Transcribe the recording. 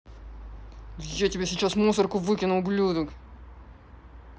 я тебя сейчас в мусорку выкину ублюдок